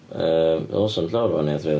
Yym oes na ddim llawer o wahaniaeth rili.